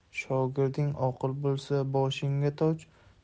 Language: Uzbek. shogirding oqil bo'lsa boshingda toj